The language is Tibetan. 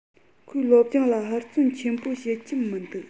ཁོས སློབ སྦྱོང ལ ཧུར བརྩོན ཆེན པོ བྱེད ཀྱི མི འདུག